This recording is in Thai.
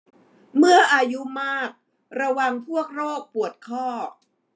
เมื่ออายุมากระวังพวกโรคปวดข้อ